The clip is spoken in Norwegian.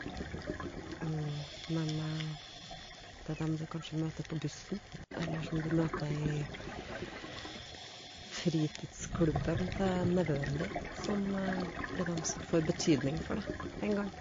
Men det er dem du kanskje møter på bussen, eller som du møter i fritidsklubben til nevøen din, som blir dem som får betydning for deg en gang.